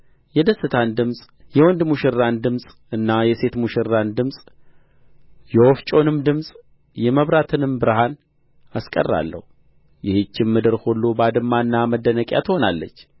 የደስታን ድምፅ የወንድ ሙሽራን ድምፅና የሴት ሙሽራን ድምፅ የወፍጮንም ድምፅ የመብራትንም ብርሃን አስቀራለሁ ይህችም ምድር ሁሉ ባድማና መደነቂያ ትሆናለች